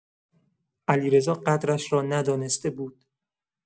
علیرضا قدرش را ندانسته بود.